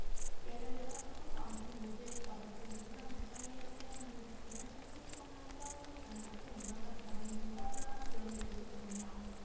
예를 들어 수컷과 암컷 모두의 귀가 접혀 있으면 그 사이에서 태어나는 새끼는 선천성 뼈 형성 장애 같은 유전적 결함이 생겨 뼈가 기형이 될 수 있습니다